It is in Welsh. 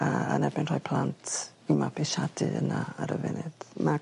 yy yn erbyn rhoi plant i'w mabwysiadu yna ar y funud ma'...